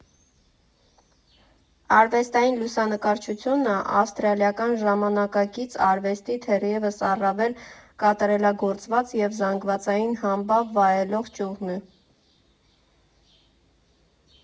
Արվեստային լուսանկարչությունը ավստրալիական ժամանակակից արվեստի թերևս առավել կատարելագործված և զանգվածային համբավ վայելող ճյուղն է։